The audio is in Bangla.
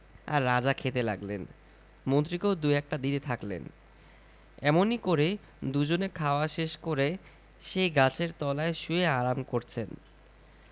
আর রাজা খেতে লাগলেন মন্ত্রীকেও দু একটা দিতে থাকলেন এমনি করে দুজনে খাওয়া শেষ করে সেই গাছের তলায় শুয়ে আরাম করছেন